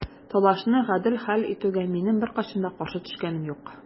Талашны гадел хәл итүгә минем беркайчан да каршы төшкәнем юк.